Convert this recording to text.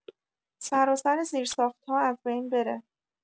سراسر زیر ساخت‌ها از بین بره.